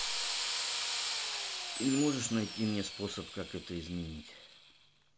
ты не можешь найти мне способ как это изменить